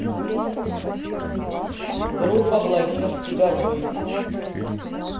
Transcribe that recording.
группа владимирский горбыль